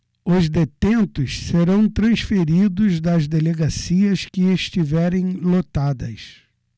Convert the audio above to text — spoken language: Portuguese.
os detentos serão transferidos das delegacias que estiverem lotadas